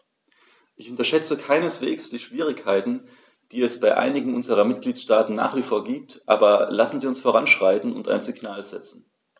Ich unterschätze keineswegs die Schwierigkeiten, die es bei einigen unserer Mitgliedstaaten nach wie vor gibt, aber lassen Sie uns voranschreiten und ein Signal setzen.